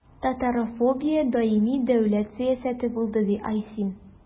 Татарофобия даими дәүләт сәясәте булды, – ди Айсин.